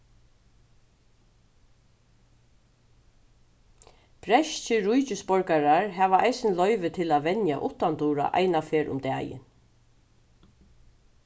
bretskir ríkisborgarar hava eisini loyvi til at venja uttandura eina ferð um dagin